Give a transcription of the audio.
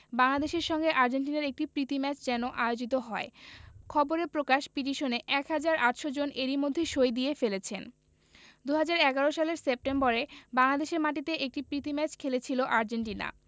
বাংলাদেশের সঙ্গে আর্জেন্টিনার একটি প্রীতি ম্যাচ যেন আয়োজিত হয় খবরে প্রকাশ পিটিশনে ১ হাজার ৮০০ জন এরই মধ্যে সই দিয়ে ফেলেছেন ২০১১ সালের সেপ্টেম্বরে বাংলাদেশের মাটিতে একটি প্রীতি ম্যাচ খেলেছিল আর্জেন্টিনা